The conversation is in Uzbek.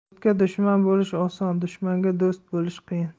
do'stga dushman bo'lish oson dushmanga do'st bo'lish qiyin